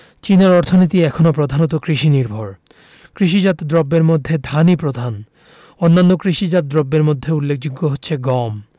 চীনের অর্থনীতি এখনো প্রধানত কৃষিনির্ভর কৃষিজাত দ্রব্যের মধ্যে ধানই প্রধান অন্যান্য কৃষিজাত দ্রব্যের মধ্যে উল্লেখযোগ্য হচ্ছে গম